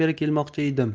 beri kelmoqchi edim